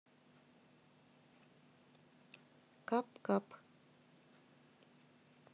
кап кап